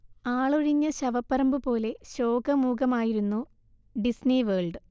ആളൊഴിഞ്ഞ ശവപ്പറമ്പ് പോലെ ശോകമൂകമായിരുന്നു ഡിസ്നി വേൾഡ്